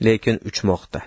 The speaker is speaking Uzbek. lekin uchmoqda